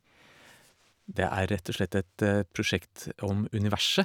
Det er rett og slett et prosjekt om universet.